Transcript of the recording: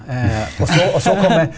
og så og så kjem.